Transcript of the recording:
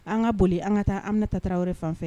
An ka boli an ka taa an minɛ tata yɔrɔ fan fɛ